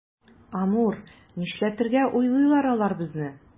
Амур, нишләтергә уйлыйлар алар безне?